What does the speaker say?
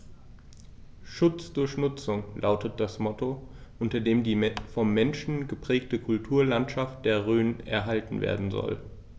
„Schutz durch Nutzung“ lautet das Motto, unter dem die vom Menschen geprägte Kulturlandschaft der Rhön erhalten werden soll.